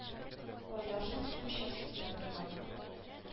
Айдашның су эчәсе килә торгандыр